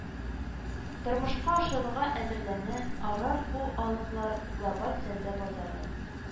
Тормышка ашырырга әзерләнә, аграр ху алыклар глобаль сәүдә базары